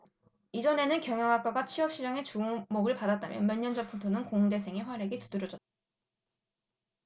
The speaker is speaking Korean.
이전에는 경영학과가 취업시장에서 주목을 받았다면 몇년 전부터는 공대생들의 활약이 두드러졌다